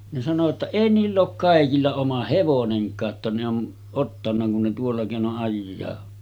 ne sanoi jotta ei niillä ole kaikilla oma hevonenkaan jotta ne on ottanut kun ne tuolla keinoin ajaa